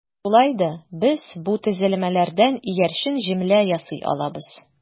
Шулай да без бу төзелмәләрдән иярчен җөмлә ясый алабыз.